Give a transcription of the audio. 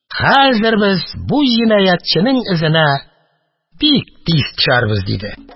Хәзер без җинаятьченең эзенә бик тиз төшәрбез, – диде.